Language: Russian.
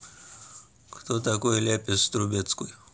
кто такой ляпис трубецкой